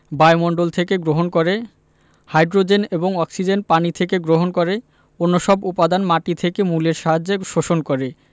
বায়ুমণ্ডল থেকে গ্রহণ করে হাই্ড্রোজেন এবং অক্সিজেন পানি থেকে গ্রহণ করে অন্যসব উপাদান মাটি থেকে মূলের সাহায্যে শোষণ করে